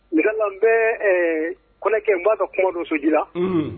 Misalila n bɛ kɔnɛ kɛ n b'a ka kuma dɔ sɔn ji la.